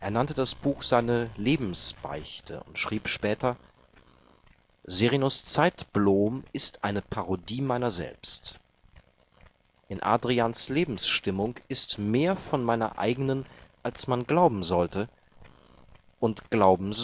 nannte das Buch seine „ Lebensbeichte “und schrieb später: „ [Serenus] Zeitbloom ist eine Parodie meinerselbst. In Adrians Lebensstimmung ist mehr von meiner eigenen, als man glauben sollte – und glauben soll